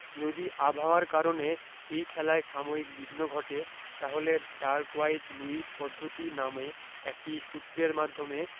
যদি আবহাওয়ার কারণে এই খেলায় সাময়িক বিঘ্ন ঘটে তাহলে ডাকওয়ার্থ লুইস পদ্ধতি নামে একটি সূত্রের মাধ্যমে